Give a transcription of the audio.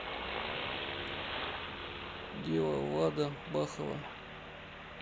дело влада бахова